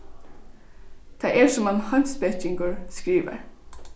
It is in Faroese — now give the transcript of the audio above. tað er sum ein heimspekingur skrivar